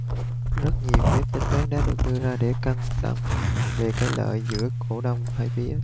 rất nhiều phép tính toán đã được đưa ra để cân đong về cái lợi giữa cổ đông hai phía